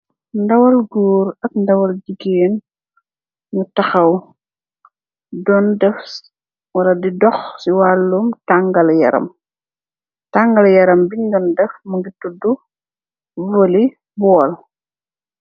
Ndawal goor ak ndawal jigéen, ñu taxaw, doon def Wala doon dox si waalu tangal yaram. Taangal yaram biñg doon def mu ñgi tudu wolibool.